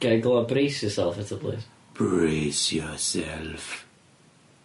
Gai glywed brace yourself eto plis. Brace yourself.